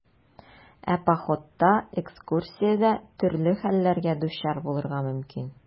Ә походта, экскурсиядә төрле хәлләргә дучар булырга мөмкин.